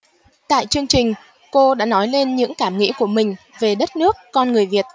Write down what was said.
tại chương trình cô đã nói lên những cảm nghĩ của mình về đất nước con người việt